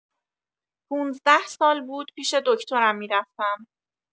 پونزده سال بود پیش دکترم می‌رفتم.